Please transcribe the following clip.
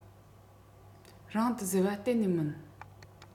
རང དུ བཟོས བ གཏན ནས མིན